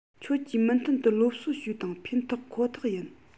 ཁྱོད ཀྱིས མུ མཐུད དུ སློབ གསོ བྱོས དང ཕན ཐོགས ཁོ ཐག ཡིན